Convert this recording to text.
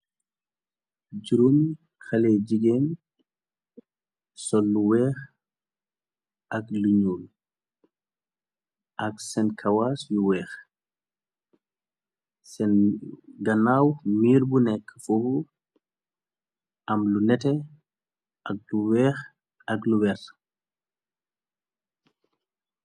Juróoni xale jigéen sol lu weex ak lu ñuul ak saen kawas yu weex seen ganaaw miir bu nekk fof am lu nete ak lu weex ak lu werta.